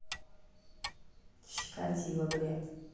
чикатило блять